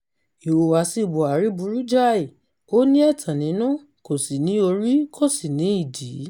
Ìhùwàsíi Buhari burú jáyì, ó ní ẹ̀tàn nínú, kò sì ní orí kò sì ní ìdí.